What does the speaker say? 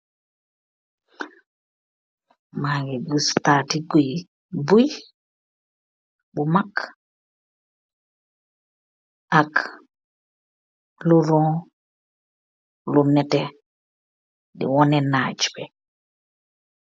Magi giss tatee gooi boi bu maag ak lu rron lu neeteh di woneh nagg bi.